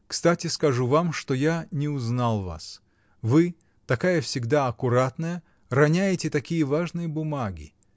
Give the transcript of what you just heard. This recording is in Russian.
Кстати скажу вам, что я не узнал вас: вы, такая всегда аккуратная, роняете такие важные бумаги.